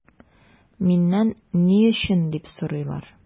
Миннән “ни өчен” дип сорыйлар.